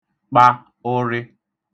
kpa ụrị